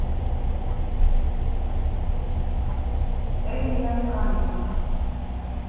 эйя канги